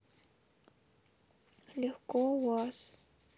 легко уаз